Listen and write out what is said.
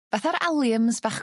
Fatha'r aliums bach